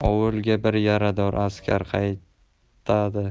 ovulga bir yarador askar qaytadi